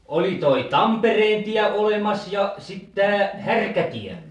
oli tuo Tampereentie olemassa ja sitten tämä Härkätie